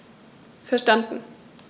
Verstanden.